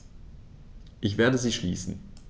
Ich werde sie schließen.